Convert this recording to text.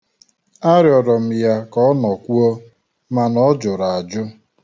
Arịọrọ m ya ka ọ nọkwuo, mana ọ jụrụ ajụ.